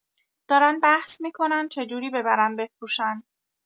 دارن بحث می‌کنن چه جوری ببرن بفروشن